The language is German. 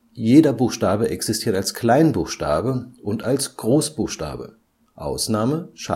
Jeder Buchstabe existiert als Kleinbuchstabe und als Großbuchstabe (Ausnahme ß